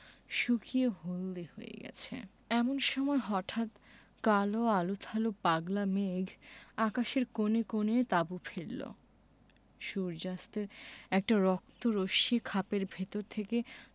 শুকিয়ে হলদে হয়ে গেছে এমন সময় হঠাৎ কাল আলুথালু পাগলা মেঘ আকাশের কোণে কোণে তাঁবু ফেললো সূর্য্যাস্তের একটা রক্ত রশ্মি খাপের ভেতর থেকে